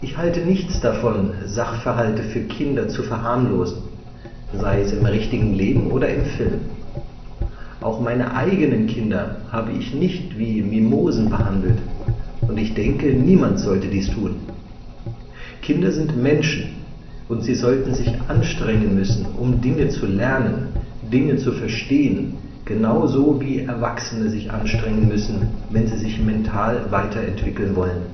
halte nichts davon, Sachverhalte für Kinder zu verharmlosen, sei es im richtigen Leben oder im Film. Auch meine eigenen Kinder habe ich nicht wie Mimosen behandelt, und ich denke, niemand sollte dies tun. Kinder sind Menschen, und sie sollten sich anstrengen müssen, um Dinge zu lernen, Dinge zu verstehen, genau so wie Erwachsene sich anstrengen müssen, wenn sie sich mental weiterentwickeln wollen